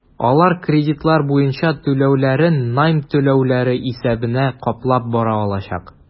Алар кредитлар буенча түләүләрен найм түләүләре исәбенә каплап бара алачак.